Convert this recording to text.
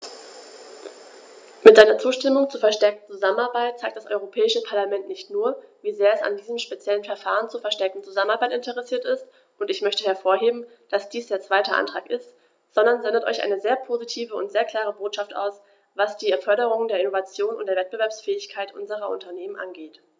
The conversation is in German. Mit seiner Zustimmung zur verstärkten Zusammenarbeit zeigt das Europäische Parlament nicht nur, wie sehr es an diesem speziellen Verfahren zur verstärkten Zusammenarbeit interessiert ist - und ich möchte hervorheben, dass dies der zweite Antrag ist -, sondern sendet auch eine sehr positive und sehr klare Botschaft aus, was die Förderung der Innovation und der Wettbewerbsfähigkeit unserer Unternehmen angeht.